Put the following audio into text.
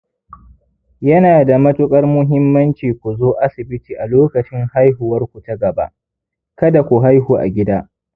ya na da matuƙar muhimmanci ku zo asibiti a lokacin haihuwarku ta gaba, ka da ku haihu a gida